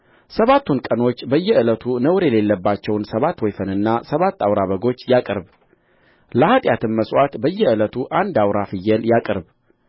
ሰባቱን ቀኖች በየዕለቱ ነውር የሌለባቸውን ሰባት ወይፈንና ሰባት አውራ በጎች ያቅርብ ለኃጢአትም መሥዋዕት በየዕለቱ አንድ አውራ ፍየል ያቅርብ